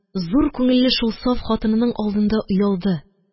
Зур күңелле шул саф хатынының алдында оялды